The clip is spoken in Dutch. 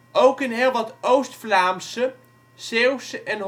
Ook in heel wat Oost-Vlaamse, Zeeuwse en